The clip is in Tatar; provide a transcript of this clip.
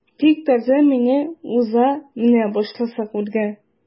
Тик Тарзан мине уза менә башласак үргә.